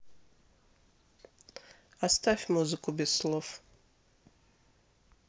оставь музыку без слов